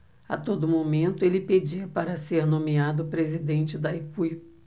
a todo momento ele pedia para ser nomeado presidente de itaipu binacional